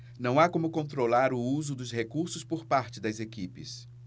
não há como controlar o uso dos recursos por parte das equipes